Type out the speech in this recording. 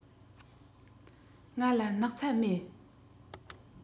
ང ལ སྣག ཚ མེད